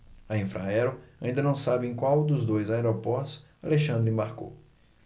a infraero ainda não sabe em qual dos dois aeroportos alexandre embarcou